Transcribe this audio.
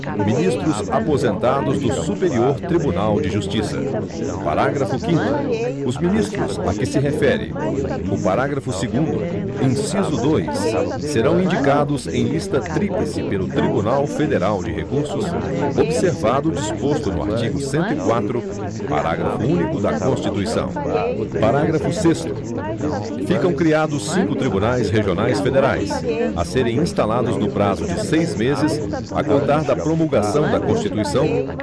ministros aposentados do tribunal federal de recursos tornar se ão automaticamente ministros aposentados do superior tribunal de justiça parágrafo quinto os ministros a que se refere o parágrafo segundo inciso dois serão indicados em lista tríplice pelo tribunal federal de recursos observado o disposto no artigo cento e quatro parágrafo único da constituição parágrafo sexto ficam criados cinco tribunais regionais federais a serem instalados no prazo de seis meses a contar da promulgação da constituição